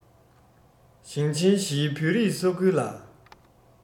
ཞིང ཆེན བཞིའི བོད རིགས ས ཁུལ ལ